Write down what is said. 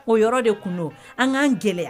O yɔrɔ de tun don an k'an gɛlɛya